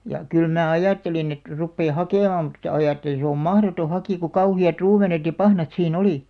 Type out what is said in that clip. ja kyllä minä ajattelin että rupean hakemaan mutta ajattelin se on mahdoton hakea kun kauheat ruumenet ja pahnat siinä oli